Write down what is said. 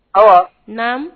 Ɔwɔ naamu